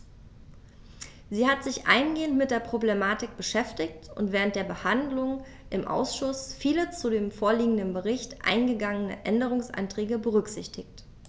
Sie hat sich eingehend mit der Problematik beschäftigt und während der Behandlung im Ausschuss viele zu dem vorliegenden Bericht eingegangene Änderungsanträge berücksichtigt.